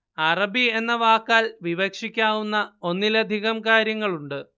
അറബി എന്ന വാക്കാൽ വിവക്ഷിക്കാവുന്ന ഒന്നിലധികം കാര്യങ്ങളുണ്ട്